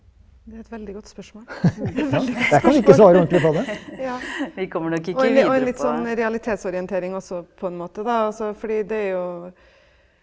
det er et veldig godt spørsmål, veldig godt spørsmål ja og og litt sånn realitetsorientering også på en måte da, også fordi det er jo.